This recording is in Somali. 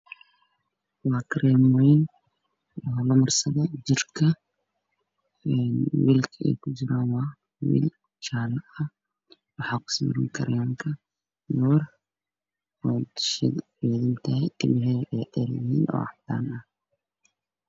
Waa kareen weyn oo jirka la marsado midab kiisu waa jaale